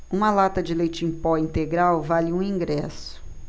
uma lata de leite em pó integral vale um ingresso